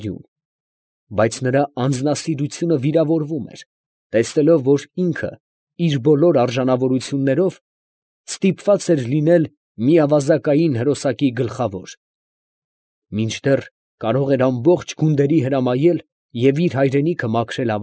Արյուն, բայց նրա անձնասիրությունը վիրավորվում էր, տեսնելով, որ ինքը իր բոլոր արժանավորություններով ստիպված էր լինել մի ավազակային հրոսակի գլխավոր, մինչդեռ կարող էր ամբողջ գունդերի հրամայել և իր հայրենիքը մաքրել։